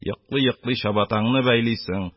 Йоклый-йоклый, чабатаңны бәйлисең